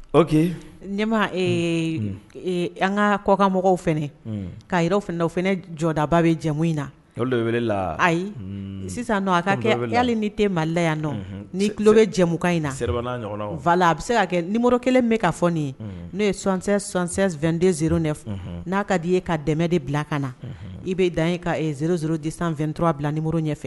Ma an ka kɔkan mɔgɔw ka o fana jɔdaba bɛ jɛmu in na ayi sisan a ka kɛ yali ni tɛ malila yandɔn ni tulolo bɛ jɛmukan in na a bɛ se ka kɛ nioro kelen bɛ ka fɔ nin n'o ye son sonsan2denz n'a ka d'i ye ka dɛmɛ de bila ka na i bɛ dan e ka z suru disan2 dɔrɔnura bila nimo ɲɛ fɛ